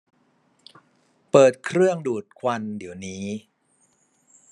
เปิดเครื่องดูดควันเดี๋ยวนี้